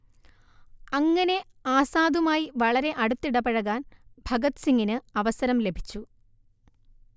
അങ്ങനെ ആസാദുമായി വളരെ അടുത്തിടപഴകാൻ ഭഗത് സിംഗിന് അവസരം ലഭിച്ചു